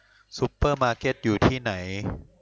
ซุเปอร์มาร์เก็ตอยู่ที่ไหน